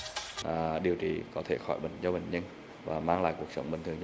à điều trị có thể khỏi bệnh cho bệnh nhân và mang lại cuộc sống bình thường